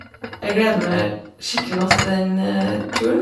Jeg gleder meg skikkelig masse til den turen.